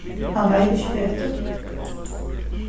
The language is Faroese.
hann veit ikki betur